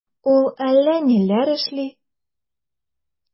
Ул әллә ниләр эшли...